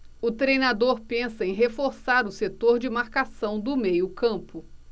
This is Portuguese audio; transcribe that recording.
o treinador pensa em reforçar o setor de marcação do meio campo